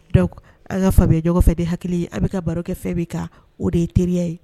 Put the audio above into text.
Dɔnkuc an ka fabe ɲɔgɔn fɛ de hakili a bɛ ka barokɛ fɛn bɛ ka o de ye teriya ye